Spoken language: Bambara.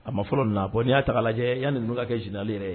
A ma fɔlɔ na bɔ n' y'a ta' lajɛ y'a ninnu ka kɛ jli yɛrɛ ye